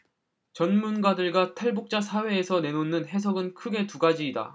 전문가들과 탈북자 사회에서 내놓는 해석은 크게 두 가지다